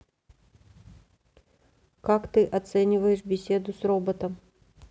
как ты оцениваешь беседу с роботом